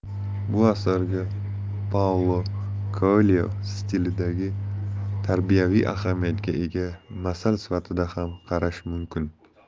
bu asarga paulo koelyo stilidagi tarbiyaviy ahamiyatga ega masal sifatida ham qarash mumkin